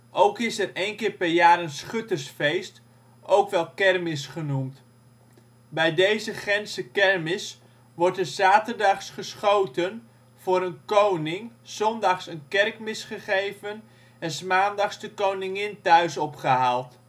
Ook is er een keer per jaar een schuttersfeest, ook wel kermis genoemd. Bij deze Gendtse kermis wordt er ' s zaterdags geschoten voor een koning, ' s zondags een kerkmis gegeven, en ' s maandags de koningin thuis opgehaald